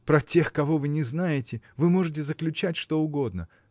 про тех, кого вы не знаете, вы можете заключать что угодно